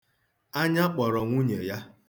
Anya kpọrọ nwunye ya.